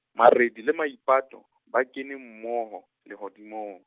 Maredi le Maipato, ba kene mmoho, lehodimong.